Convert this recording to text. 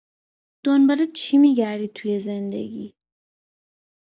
دنبال چی می‌گردی توی زندگی؟